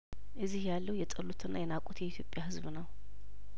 እዚህ ያለው የጠሉትና የናቁት የኢትዮጵያ ህዝብ ነው